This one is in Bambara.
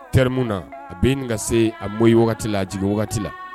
Teriri min na a bɛ ka se a bɔ wagati la a jigi wagati la